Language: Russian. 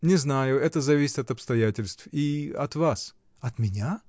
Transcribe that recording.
— Не знаю: это зависит от обстоятельств и. от вас. — От меня?